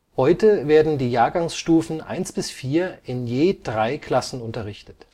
Heute werden die Jahrgangsstufen 1 – 4 in je drei Klassen unterrichtet